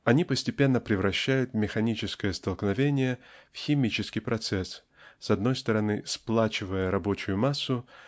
Они постепенно превращают механическое столкновение в химический процесс с одной стороны сплачивая рабочую массу